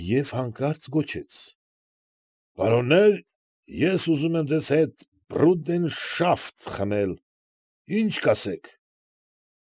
Եվ հանկարծ գոչեց. ֊ Պարոննե՛ր, ես ուզում եմ ձեզ հետ «բռուտերշաֆթ» խմել, ի՞նչ կասեք։ ֊